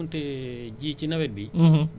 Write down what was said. te assurance tool yi quatre mois la